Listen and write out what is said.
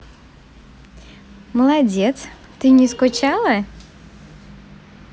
молодец ты не скучала